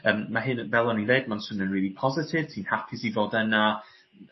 yym ma' hyn fel o'n i'n ddeud ma'n swnio'n rili positif ti'n hapus i fod yna